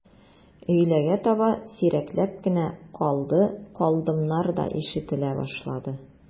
Өйләгә таба сирәкләп кенә «калды», «калдым»нар да ишетелә башлады.